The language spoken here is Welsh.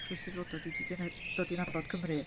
Drwy 'Steddfodau dwi 'di d- wneud... dod i 'nabod Cymru.